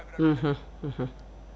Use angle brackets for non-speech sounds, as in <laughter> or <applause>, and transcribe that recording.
<hesitation> <hesitation>